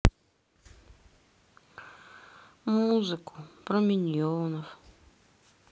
музыку про миньонов